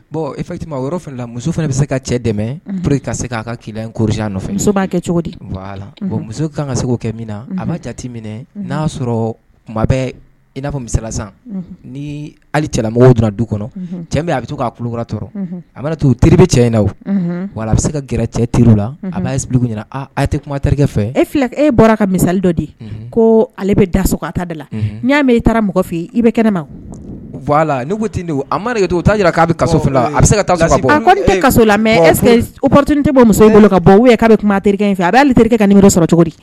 Bon e o yɔrɔ la muso fana bɛ se ka cɛ dɛmɛ p ka se k'a ka ki kururi nɔfɛ so'a kɛ cogo di muso kan ka segu kɛ min na a'a jate minɛ n'a'a sɔrɔ kuma bɛ i n'a fɔ misala ni ali cɛlamɔgɔ donna du kɔnɔ cɛ a bɛ to k' kulukura tɔɔrɔ a mana to teribe cɛ ɲɛna na wala a bɛ se ka gɛrɛ cɛ teri la a'a ɲini tɛ kuma terikɛ fɛ e e bɔra ka misali dɔ de ye ko ale bɛ da so ka ta da la n'i y'a mɛn i taara mɔgɔfin i bɛ kɛnɛ ma' laut arike taa jira k'a bɛ a bɛ tɛ la mɛ tɛ bɔ muso in bolo ka bɔ k' bɛ kuma terikɛ fɛ a bɛ' ale terikɛ ka nin sɔrɔ cogo di